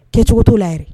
Kɛcogo t' la